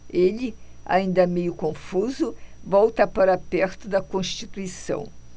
ele ainda meio confuso volta para perto de constituição